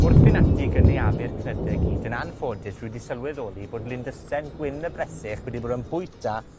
Wrth fynd ati i gynaeafu'r cnyde gyd, yn anffodus, wi 'di sylweddoli bod lindysen gwyn y bresych wedi bod yn bwyta